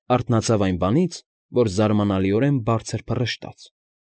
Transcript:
Արթնացավ այն բանից, որ զարմանալիորեն բարձր փռշտաց։